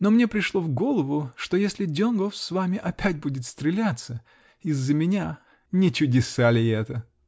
но мне пришло в голову, что если Донгоф с вами опять будет стреляться. из-за меня. Не чудеса ли это?